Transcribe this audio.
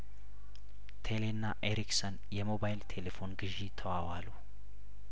ቴሌና ኤሪክሰን የሞባይል ቴሌፎን ግዢ ተዋዋሉ